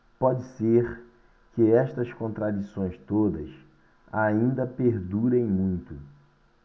pode ser que estas contradições todas ainda perdurem muito